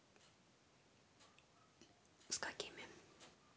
с какими